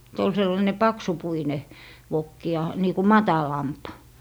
se oli sellainen paksupuinen vokki ja niin kuin matalampi